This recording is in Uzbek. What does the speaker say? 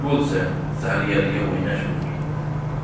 bo'lsa zargarga o'ynash bo'lar